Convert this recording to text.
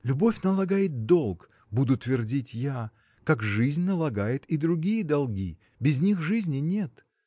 — Любовь налагает долг, буду твердить я, как жизнь налагает и другие долги: без них жизни нет.